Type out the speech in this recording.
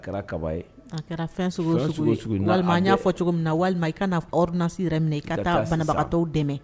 A kɛra walima y'a fɔ cogo min na walima i kanarsi yɛrɛ minɛ ibagatɔ dɛmɛ